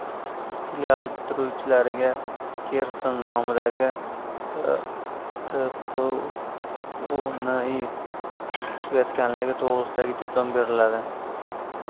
filial bitiruvchilariga gersen nomidagi rdpuni tugatganligi to'g'risida diplom beriladi